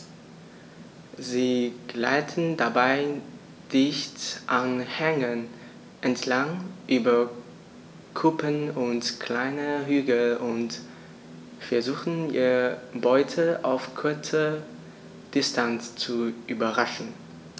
Sie gleiten dabei dicht an Hängen entlang, über Kuppen und kleine Hügel und versuchen ihre Beute auf kurze Distanz zu überraschen.